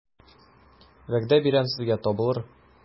Вәгъдә бирәм сезгә, табылыр...